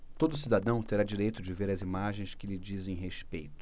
todo cidadão terá direito de ver as imagens que lhe dizem respeito